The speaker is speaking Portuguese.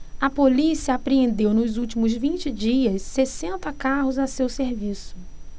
a polícia apreendeu nos últimos vinte dias sessenta carros a seu serviço